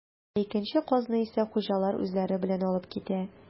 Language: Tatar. Ә икенче казны исә хуҗалар үзләре белән алып китә.